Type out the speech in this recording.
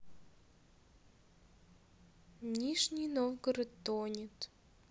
нижний новгород тонет